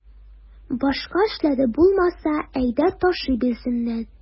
Башка эшләре булмаса, әйдә ташый бирсеннәр.